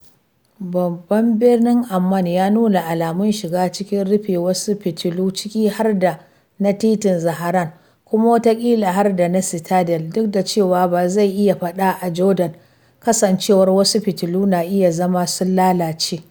Babban birnin Amman ya nuna alamun shiga cikin rufe wasu fitilu, ciki har da na titin Zahran, kuma wataƙila har da na Citadel (duk da cewa ba zan iya faɗa a Jordan, kasancewar wasu fitilu na iya zama sun lalace).